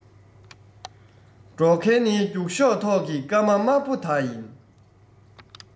འགྲོགས མཁན ནི རྒྱུགས ཤོག རྒྱུགས ཤོག ཐོག གི སྐར མ དམར པོ དག ཡིན